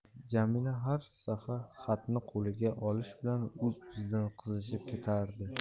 jamila har safar xatni qo'liga olishi bilan o'z o'zidan qizishib ketardi